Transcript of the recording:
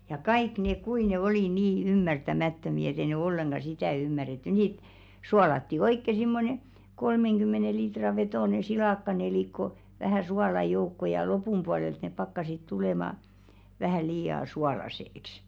ja kaikki ne kuinka ne oli niin ymmärtämättömiä että ei ne ollenkaan sitä ymmärretty niitä suolattiin oikein semmoinen kolmenkymmenen litran vetoinen silakkanelikko vähän suolaa joukkoon ja lopun puolelta ne pakkasivat tulemaan vähän liian suolaiseksi